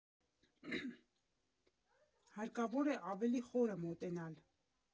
Հարկավոր է ավելի խորը մոտենալ։